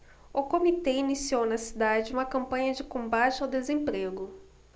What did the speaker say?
o comitê iniciou na cidade uma campanha de combate ao desemprego